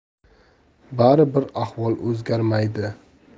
bari bir ahvol o'zgarmaydi